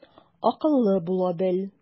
Акыллы була бел.